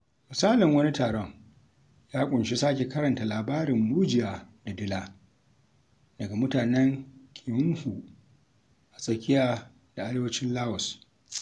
Misalin wani taron ya ƙunshi sake karanta labarin "Mujiya da Dila" daga mutanen Kmhmu a tsakiya da arewacin Laos.